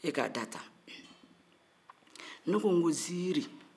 e k'a da ta ne ko ko ziiri